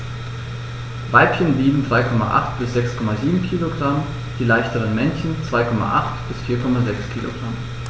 Weibchen wiegen 3,8 bis 6,7 kg, die leichteren Männchen 2,8 bis 4,6 kg.